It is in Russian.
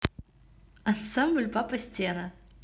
ансамбль папа стена